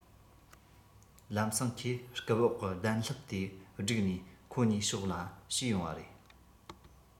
ལམ སེང ཁོའི རྐུབ འོག གི གདན ལྷེབ དེ སྒྲུག ནས ཁོ གཉིས ཕྱོགས ལ ཞུས ཡོང བ རེད